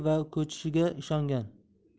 va ko'chishiga ishongan